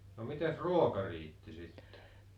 no mitenkäs ruoka riitti sitten